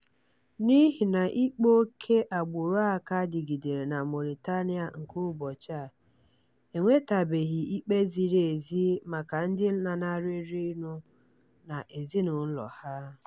N'ihi na ịkpa oke agbụrụ a ka dịgidere na Mauritania nke ụbọchị a, e nwetabeghị ikpe ziri ezi maka ndị lanarịrịnụ na ezinụlọ ha.